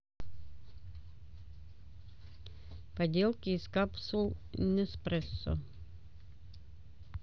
поделки из капсул неспрессо